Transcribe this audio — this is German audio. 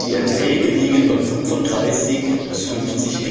Erträge liegen bei 35 bis 50